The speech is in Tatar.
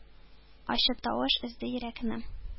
Ачы тавыш өзде йөрәкне: